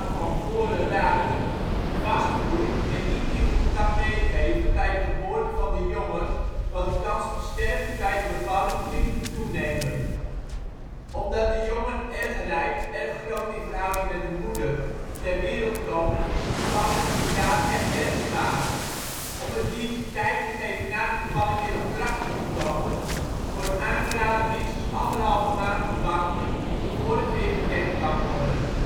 van voren raken) vastgroeit en niet meer goed kan meegeven bij de geboorte van de jongen wat de kans op sterfte bij de bevalling flink doet toenemen. Omdat de jongen erg rijp (erg groot in verhouding met de moeder) ter wereld komen is een bevalling voor een cavia erg zwaar. Om het diertje tijd te geven na de bevalling weer op krachten te komen wordt aangeraden minstens anderhalve maand te wachten voor het weer gedekt kan worden